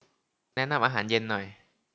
แนะนำอาหารเย็นหน่อย